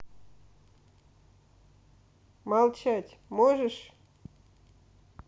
молчать можешь